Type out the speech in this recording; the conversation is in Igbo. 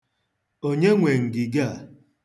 Onye nwe ngige a?